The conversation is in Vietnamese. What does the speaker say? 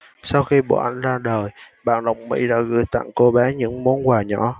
sau khi bộ ảnh ra đời bạn đọc mỹ đã gửi tặng cô bé những món quà nhỏ